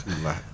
walaahi